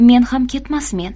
men ham ketmasmen